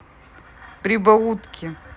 прибаутки